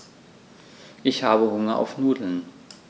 Ich habe Hunger auf Nudeln.